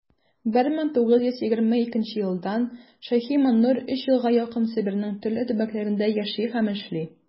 1924 елдан ш.маннур өч елга якын себернең төрле төбәкләрендә яши һәм эшли.